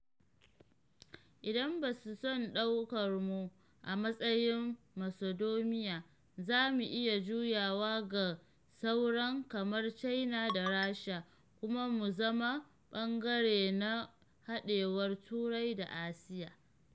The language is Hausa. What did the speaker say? Idan ba su son su ɗauke mu a matsayin Macedonia, za mu iya juyawa ga sauran kamar China da Rusha kuma mu zama ɓangare na haɗewar Turai da Asiya.”